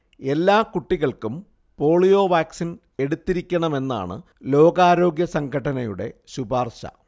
എല്ലാ കുട്ടികൾക്കും polio vaccine എടുത്തിരിക്കണമെന്നാണ് ലോകാരോഗ്യസംഘടനയുടെ ശുപാർശ